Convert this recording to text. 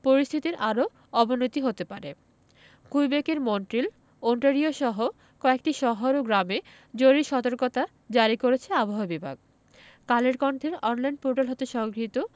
পরিস্থিতির আরও অবনতি হতে পারে কুইবেকের মন্ট্রিল ওন্টারিওসহ কয়েকটি শহর ও গ্রামে জরুরি সতর্কতা জারি করেছে আবহাওয়া বিভাগ কালের কন্ঠের অনলাইন পোর্টাল হতে সংগৃহীত